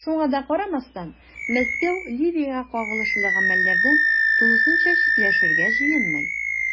Шуңа да карамастан, Мәскәү Ливиягә кагылышлы гамәлләрдән тулысынча читләшергә җыенмый.